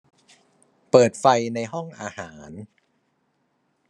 เปิดไฟในห้องอาหาร